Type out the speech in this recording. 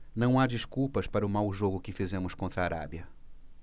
não há desculpas para o mau jogo que fizemos contra a arábia